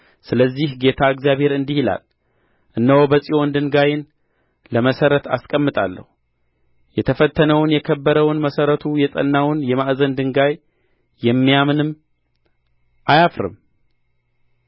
ስለዚህ ጌታ እግዚአብሔር እንዲህ ይላል እነሆ በጽዮን ድንጋይን ለመሠረት አስቀምጣለሁ የተፈተነውን የከበረውን መሠረቱ የጸናውን የማዕዘን ድንጋይ የሚያምን አያፍርም